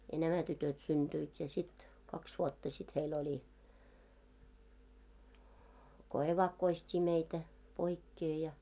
ja nämä tytöt syntyivät ja sitten kaksi vuotta sitten heillä oli kun evakkoistettiin meitä poikkeen ja